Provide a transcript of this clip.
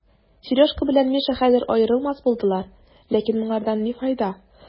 Сережка белән Миша хәзер аерылмас булдылар, ләкин моңардан ни файда?